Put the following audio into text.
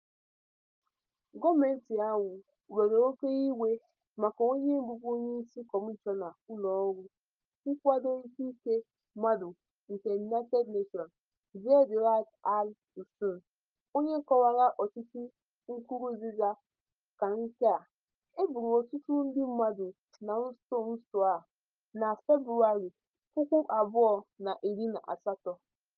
Gọọmentị ahụ were oke iwe maka onye bụbu onyeisi Kọmishọna ụlọọrụ nkwado ikike mmadụ nke United Nations, Zeid Ra'ad Al Hussein, onye kọwara ọchịchị Nkurunziza ka nke "e gburu ọtụtụ ndị mmadụ na nso nso a" na Febụwarị 2018.